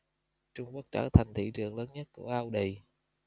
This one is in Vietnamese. trung quốc trở thành thị trường lớn nhất của audi